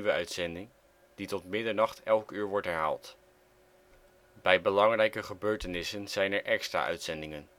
uitzending die tot middernacht elk uur wordt herhaald. Bij belangrijke gebeurtenissen zijn er extra uitzendingen.De